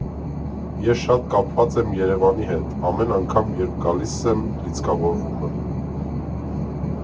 Ես շատ կապված եմ Երևանի հետ, ամեն անգամ, երբ գալիս եմ, լիցքավորվում եմ։